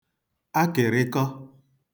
akị̀rịkọ